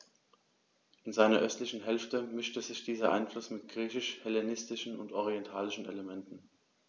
In seiner östlichen Hälfte mischte sich dieser Einfluss mit griechisch-hellenistischen und orientalischen Elementen.